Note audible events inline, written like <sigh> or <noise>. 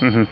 <hesitation> <hesitation>